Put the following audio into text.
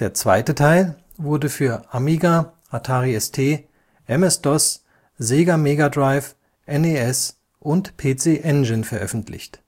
zweite Teil wurde für Amiga, Atari ST, MS-DOS, Sega Mega Drive, NES und PC Engine veröffentlicht